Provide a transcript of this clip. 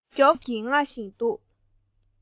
མགྱོགས ཤིག ཤིག གིས རྔ བཞིན འདུག